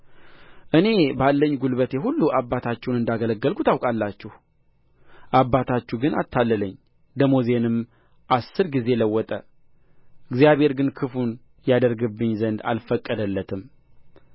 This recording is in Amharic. እኔ ባለኝ ጕልበቴ ሁሉ አባታችሁን እንዳገለገልሁ ታውቃላችሁ አባታችሁ ግን አታለለኝ ደመወዜንም አሥር ጊዜ ለወጠ እግዚአብሔር ግን ክፉ ያደርግብኝ ዘንድ አልፈቀደለትም